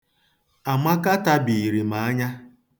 Amaka tabiiri m anya.